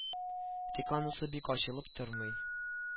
Тик анысы бик ачылып тормый